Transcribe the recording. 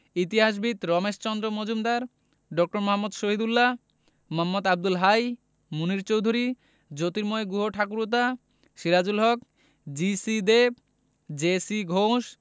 ইতিহাসবিদ রমেশচন্দ্র মজুমদার ড. মুহাম্মদ শহীদুল্লাহ মোঃ আবদুল হাই মুনির চৌধুরী জ্যোতির্ময় গুহঠাকুরতা সিরাজুল হক জি.সি দেব জে.সি ঘোষ